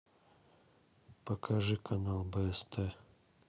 покажи канал бст